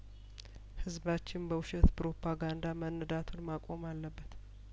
ህዝባችን በውሸት ፕሮፓጋንዳ መነ ዳቱን ማቆም አለበት